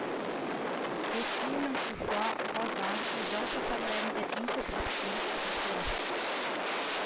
Русиянең Уфа, Казан, Ижау шәһәрләрендә иң күп оптимист рухлы